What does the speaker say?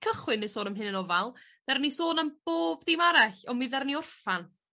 cychwyn i sôn am hunanofal daru ni sôn am bob dim arall on' mi ddaru ni orffan